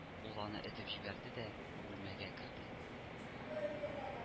Ул аны этеп җибәрде дә бүлмәгә керде